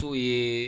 To ye